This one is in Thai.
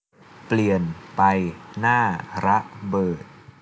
เปลี่ยนไปหน้าระเบิด